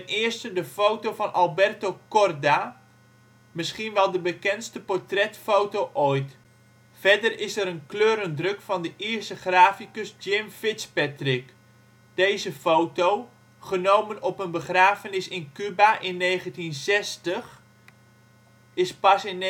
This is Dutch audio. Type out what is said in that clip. eerste de foto van Alberto Korda, misschien wel de bekendste portretfoto ooit. Verder is er een kleurendruk van de Ierse graficus Jim Fitzpatrick. Deze foto, genomen op een begrafenis in Cuba in 1960 is pas in 1967